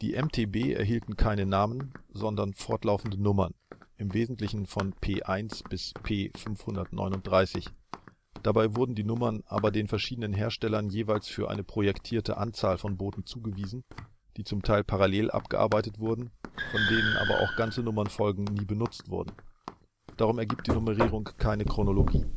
MTB erhielten keine Namen, sondern fortlaufende Nummern, im Wesentlichen von P1 - P539. Dabei wurden die Nummern aber den verschiedenen Herstellern jeweils für eine projektierte Anzahl von Booten zugewiesen, die zum Teil parallel abgearbeitet wurden, von denen aber auch ganze Nummernfolgen nie benutzt wurden. Darum ergibt die Nummerierung keine Chronologie